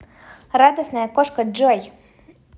радостная кошка джой